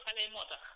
kenn liggéeyut